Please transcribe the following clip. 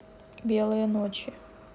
белые ночи